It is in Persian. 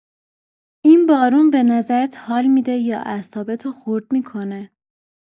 این بارون به نظرت حال می‌ده یا اعصابتو خرد می‌کنه؟